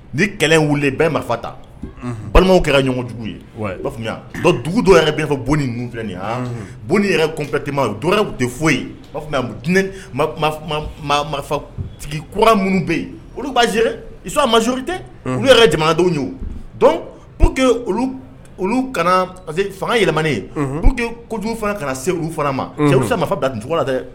Ni kɛlɛ wili bɛɛ marifa fata balimaw kɛra ɲɔgɔnjugu ye dugu dɔw yɛrɛ bɛ fɔ bon ni filɛ bon yɛrɛ kɔnfɛtema o doɛrɛw de foyi ye marifa minnu bɛ yen olu ba mari tɛ n'u yɛrɛ jamanadenw ye dɔn kana parce fanga yɛlɛ yeu que ko kojugu fana ka se olu fana ma cɛ marifa bilacogo la dɛ